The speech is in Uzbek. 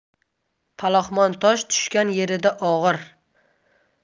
palaxmon tosh tushgan yerida og'ir